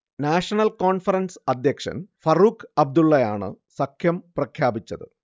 national conference അധ്യക്ഷൻ ഫാറൂഖ് അബ്ദുള്ളയാണ് സഖ്യം പ്രഖ്യാപിച്ചത്